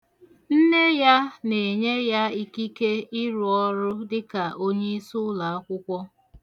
Nne ya na-enye ya ikike ịru ọrụ dịka onyiisi ụlaakwụkwọ.